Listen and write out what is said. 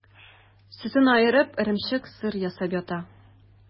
Сөтен аертып, эремчек, сыр ясап сата.